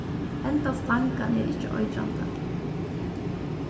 hendan slangan er ikki eitrandi